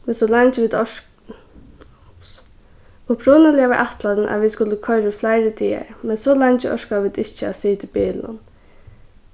men so leingi vit ups upprunaliga var ætlanin at vit skuldu koyra í fleiri dagar men so leingi orkaðu vit ikki at sita í bilinum